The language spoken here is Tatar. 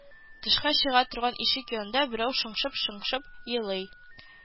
Тышка чыга торган ишек янында берәү шыңшып-шыңшып елый